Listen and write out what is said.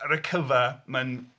Ar y cyfa mae'n...